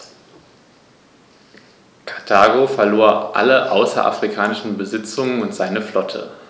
Karthago verlor alle außerafrikanischen Besitzungen und seine Flotte.